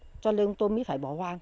cho nên tôi mới phải bỏ hoang